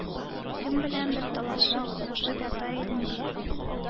Кем беләндер талашып, сугышып ята идең бит...